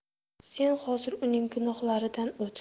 sen hozir uning gunohlaridan o't